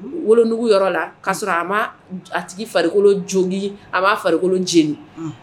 Wolonugu yɔrɔ la k'a sɔrɔ a man a tigi farikolo jogin a man farikolo jenin.